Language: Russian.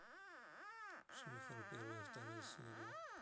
шифр первая и вторая серия